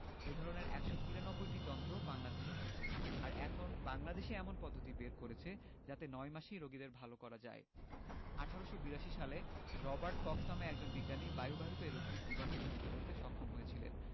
এ ধরনের ১৯৩টি যন্ত্র বাংলাদেশে এসেছে আর এখন বাংলাদেশই এমন পদ্ধতি বের করেছে যাতে ৯ মাসেই রোগীদের ভালো করা যায় ১৮৮২ সালে রবার্ট কক্স নামে একজন বিজ্ঞানী বায়ুবাহিত এ রোগটির জীবাণু চিহ্নিত করতে সক্ষম হয়েছিলেন